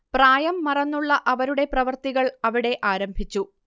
പ്രായം മറന്നുള്ള അവരുടെ പ്രവർത്തികൾ അവിടെ ആരംഭിച്ചു